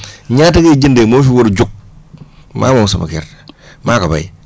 ñaata ngay jëndee moo fi war a jóg maa moom sama gerte maa ko béy